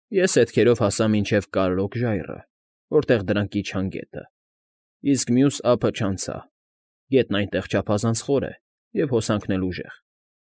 Ես հետքերով հասա մինչև Կարրոկ ժայռը, որտեղ դրանք իջան գետը, իսկ մյուս ափը չանցա՝ գետն այնտեղ չափազանց խոր է և հոսանքն էլ ուժեղ։